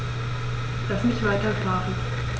Lass mich weiterschlafen.